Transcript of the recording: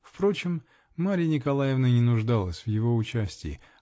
Впрочем, Марья Николаевна и не нуждалась в его участии.